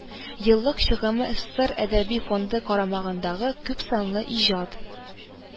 Еллык чыгымы ссср әдәби фонды карамагындагы күпсанлы иҗат